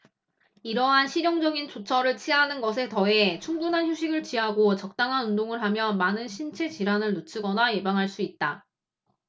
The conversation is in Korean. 이러한 실용적인 조처를 취하는 것에 더해 충분한 휴식을 취하고 적당한 운동을 하면 많은 신체 질환을 늦추거나 예방할 수 있다